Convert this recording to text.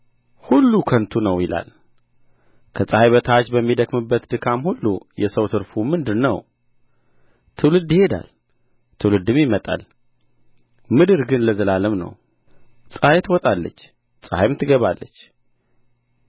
ሁሉ ከንቱ ነው ይላል ከፀሐይ በታች በሚደክምበት ድካም ሁሉ የሰው ትርፉ ምንድር ነው ትውልድ ይሄዳል ትውልድም ይመጣል ምድር ግን ለዘላለም ነው ፀሐይ ትወጣለች ፀሐይም ትገባለች